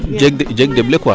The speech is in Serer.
jeeg deɓ le quoi